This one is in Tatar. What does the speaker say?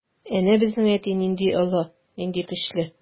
Әнә безнең әти нинди олы, нинди көчле.